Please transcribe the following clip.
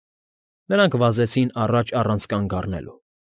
Նրանք վազեցին առաջ առանց կանգ առնելու։